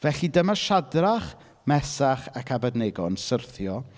Felly dyma Siadrach, Mesach ac Abednego yn syrthio.